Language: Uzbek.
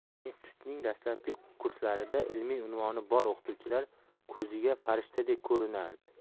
institutning dastlabki kurslarida ilmiy unvoni bor o'qituvchilar ko'ziga farishtadek ko'rinardi